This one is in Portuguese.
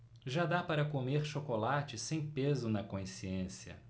já dá para comer chocolate sem peso na consciência